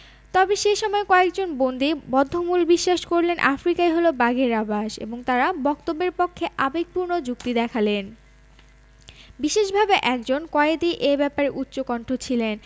তবে সে সময়ে কয়েকজন বন্দী বদ্ধমূল বিশ্বাস করলেন আফ্রিকাই হলো বাঘের আবাস এবং তারা বক্তব্যের পক্ষে আবেগপূর্ণ যুক্তি দেখালেন বিশেষভাবে একজন কয়েদি এ ব্যাপারে উচ্চকণ্ঠ ছিলেন